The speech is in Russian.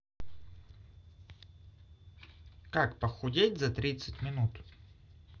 как похудеть за тридцать минут